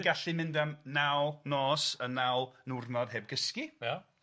...gallu mynd am naw nos a naw niwrnod heb gysgu. Ia.